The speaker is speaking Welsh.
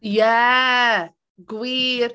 Ie! Gwir.